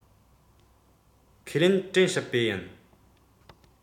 ཁས ལེན དྲན སྲིད པས ཡིན